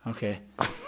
OK